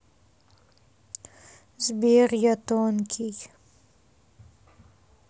сбер я тонкий